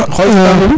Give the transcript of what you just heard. xoytita man